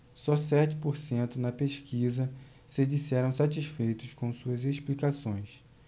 só sete por cento na pesquisa se disseram satisfeitos com suas explicações